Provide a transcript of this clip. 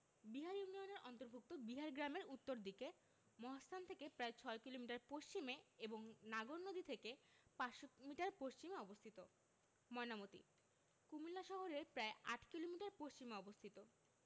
বিহার ইউনিয়নের অন্তর্ভুক্ত বিহার গ্রামের উত্তর দিকে মহাস্থান থেকে প্রায় ৬ কিলোমিটার পশ্চিমে এবং নাগর নদী থেকে ৫০০ মিটার পশ্চিমে অবস্থিত ময়নামতি কুমিল্লা শহরের প্রায় ৮ কিলোমিটার পশ্চিমে অবস্থিত